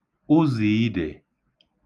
ụzìidè